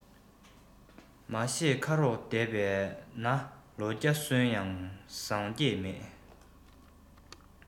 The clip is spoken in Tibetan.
མ ཤེས ཁ རོག བསྡད པས ན ལོ བརྒྱ སོང ཡང བཟང བསྐྱེད མེད